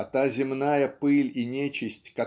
А та земная пыль и нечисть